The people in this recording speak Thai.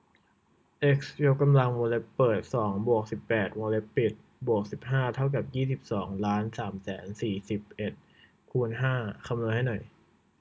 เอ็กซ์ยกกำลังวงเล็บเปิดสองบวกสิบแปดวงเล็บปิดบวกสิบห้าเท่ากับยี่สิบสองล้านสามแสนสี่สิบเอ็ดคูณห้าคำนวณให้หน่อย